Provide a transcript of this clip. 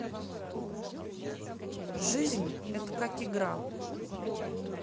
жизнь это как игра